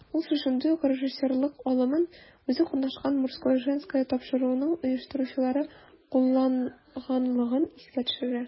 Ул шушындый ук режиссерлык алымын үзе катнашкан "Мужское/Женское" тапшыруының оештыручылары кулланганлыгын искә төшерә.